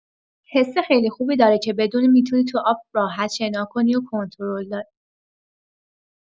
حس خیلی خوبی داره که بدونی می‌تونی تو آب راحت شنا کنی و کنترل داری.